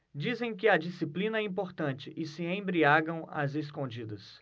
dizem que a disciplina é importante e se embriagam às escondidas